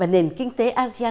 mà nền kinh tế a di